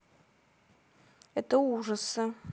это ужасы